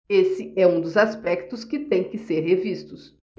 esse é um dos aspectos que têm que ser revistos